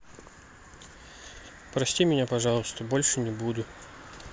прости меня пожалуйста больше не буду